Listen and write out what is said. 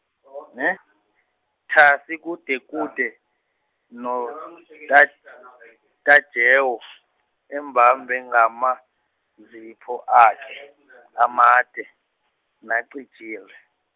ne, thasi kudekude, noTa- Tajewo, embambe ngamazipho akhe, amade, nacijile.